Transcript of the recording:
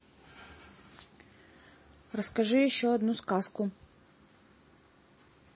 расскажи еще одну сказку